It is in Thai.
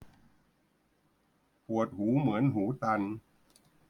ปวดหูเหมือนหูตัน